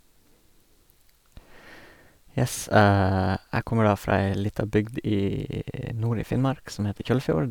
Yes, jeg kommer da fra ei lita bygd i nord i Finnmark som heter Kjøllfjord.